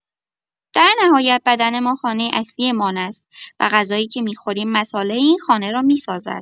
در نهایت بدن ما خانه اصلی‌مان است و غذایی که می‌خوریم مصالح این خانه را می‌سازد.